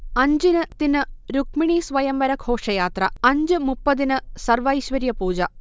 അഞ്ചിന് പത്തിന് രുക്മിണീസ്വയംവര ഘോഷയാത്ര അഞ്ച് മുപ്പതിന് സർവൈശ്വര്യപൂജ